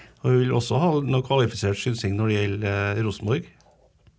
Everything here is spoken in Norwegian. og vi vil også ha noe kvalifisert synsing når det gjelder Rosenborg.